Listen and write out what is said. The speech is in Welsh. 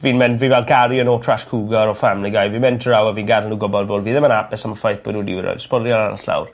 fi'n mynd fi fel Gary the no trash cougar o Family Guy fi'n mynd draw a fi'n gadel n'w gwbod bod fi dim yn apus am y ffaith bo' n'w 'di roi sbwiel ar y llawr.